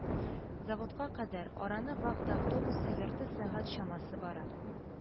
Заводка кадәр араны вахта автобусы ярты сәгать чамасы бара